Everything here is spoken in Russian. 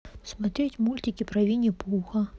смотреть мультики про винни пуха